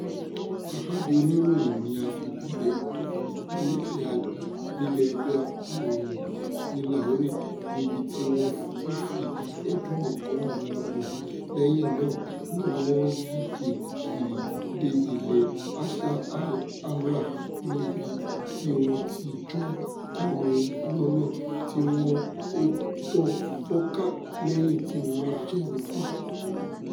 Ìpàdé oníròyìn ni a fi bẹ̀rẹ̀ ètò ní Ilé Ẹgbẹ́ Akọ̀ròyìn ní Lahore níbi tí wọ́n ti fi ẹ̀dùn ọkàn-an wọn hàn; lẹ́yìn náà ni wọ́n yíde kiri dé Ilé Àṣà Al Hamra níbi tí wọ́n ti jó, kọrin lọ́nà, kí wọn ó tó fọ́nká lẹ́yìn tí wọ́n jẹun tán.